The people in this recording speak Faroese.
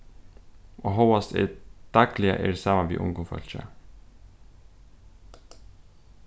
og hóast eg dagliga eri saman við ungum fólki